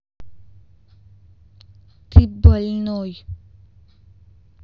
ты больной